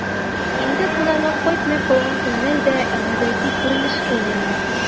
Инде кунарга кайтмый калган көннәр дә гадәти күренешкә әйләнә...